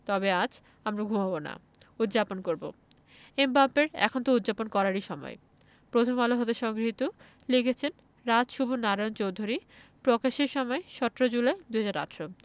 তবে আজ আমরা ঘুমাব না উদ্যাপন করব এমবাপ্পের এখন তো উদ্যাপন করারই সময় প্রথম আলো হতে সংগৃহীত লিখেছেন রাজ শুভ নারায়ণ চৌধুরী প্রকাশের সময় ১৭ জুলাই ২০১৮